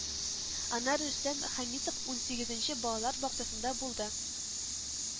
Аннары Рөстәм Хәмитов унсигезенче балалар бакчасында булды